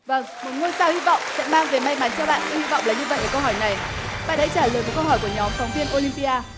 vâng một ngôi sao hy vọng sẽ mang đến may mắn cho bạn hy vọng là như vậy ở câu hỏi này bạn hãy trả lời một câu hỏi của nhóm phóng viên ô lim pi a